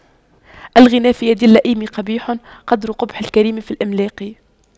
الغنى في يد اللئيم قبيح قدر قبح الكريم في الإملاق